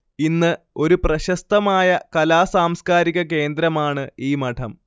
ഇന്ന് ഒരു പ്രശസ്തമായ കലാ സാംസ്കാരിക കേന്ദ്രമാണ് ഈ മഠം